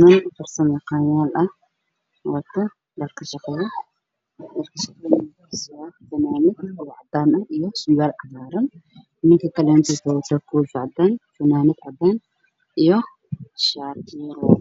Meeshan waxaa taagan wiil shaqaalaha wiilka wuxuu wataa shaati cadaalad ninkan wuxuu wataa koofi yadoona wuxuu shaatay cadan iyo shaati yar oo